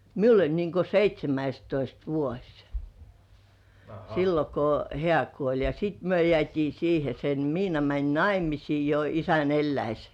minulla oli niin kuin seitsemästoista vuosi silloin kun hän kuoli ja sitten me jäätiin siihen sen Miina meni naimisiin jo isän eläessä